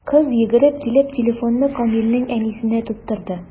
Кыз, йөгереп килеп, телефонны Камилнең әнисенә тоттырды.